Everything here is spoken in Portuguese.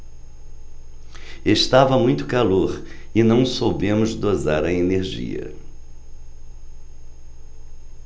estava muito calor e não soubemos dosar a energia